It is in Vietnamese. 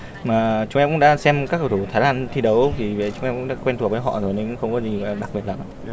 mà chúng em cũng đã xem các cầu thủ thái lan thi đấu vì vậy chúng em cũng rất quen thuộc với họ nữa nhưng không có gì đặc biệt lắm